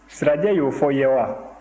sirajɛ y'o fɔ i ye wa